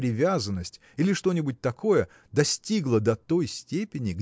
привязанность или что-нибудь такое – достигло до той степени